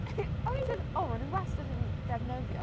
A o'n ni jyst o maen nhw wastad yn defnyddiol.